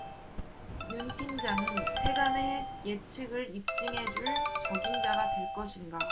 윤 팀장은 세간의 예측을 입증해 줄 적임자가 될 것인가